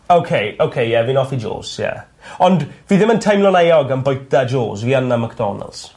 Okay okay ie fi'n offi Joes ie. Ond fi ddim yn teimlo'n euog am bwyta Joes fi yn 'da Macdonalds.